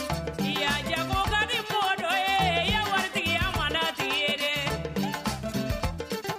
I y'a jago kadi mɔɔ dɔ ye iya waritigiya mand'a tigi ye